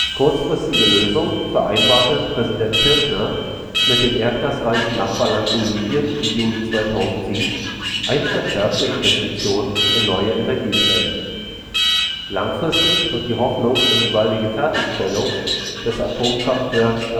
kurzfristige Lösung vereinbarte Präsident Kirchner mit dem erdgasreichen Nachbarland Bolivien im Juni 2007 eine verstärkte Investition in neue Energiequellen. Langfristig wird Hoffnung in die baldige Fertigstellung des Atomkraftwerks